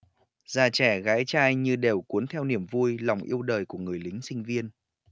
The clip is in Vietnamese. già trẻ gái trai như đều cuốn theo niềm vui lòng yêu đời của người lính sinh viên